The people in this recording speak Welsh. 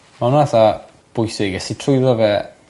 Ma' wnna fatha bwysig es i trwyddo fe